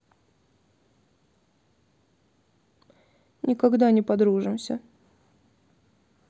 никогда не подружимся